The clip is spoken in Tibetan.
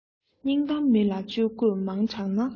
སྙིང གཏམ མི ལ འཆོལ འཆོལ མང དྲགས ན